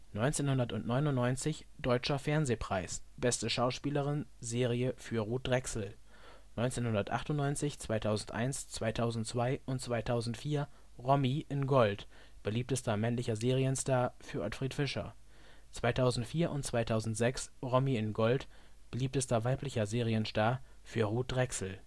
1999 Deutscher Fernsehpreis Beste Schauspielerin Serie für Ruth Drexel 1998, 2001, 2002 und 2004 Romy in Gold Beliebtester männlicher Serienstar für Ottfried Fischer 2004 und 2006 Romy in Gold Beliebtester weiblicher Serienstar für Ruth Drexel